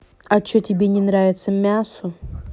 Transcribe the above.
а че тебе не нравится мясу